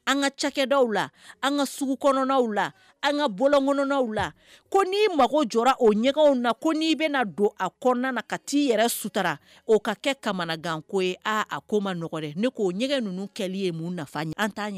An ŋa cakɛdaw la an ŋa sugu kɔnɔnaw la an ŋa bɔlɔŋɔnɔnaw la ko n'i mago jɔra o ɲɛgɛnw na ko n'i bena don a kɔɔna na ka t'i yɛrɛ sutara o ka kɛ kamanagan ko ye aaa a ko ma nɔgɔn dɛ ne ko ɲɛgɛn ninnu kɛli ye mun nafa ɲɛ an t'a ɲɛ